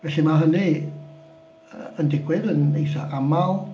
Felly ma' hynny yy yn digwydd yn eitha aml.